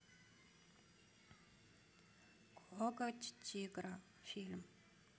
коготь тигра фильм